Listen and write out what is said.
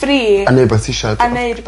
free... A neud be' wyt ti isio. ...a neud...